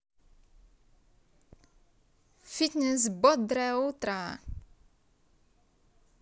фитнес бодрое утро